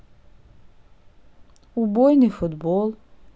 убойный футбол